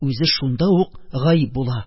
Үзе шунда ук гаип була